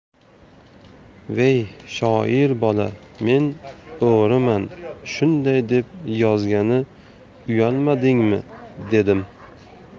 vey shoir bola men o'g'riman shunday deb yozgani uyalmadingmi dedim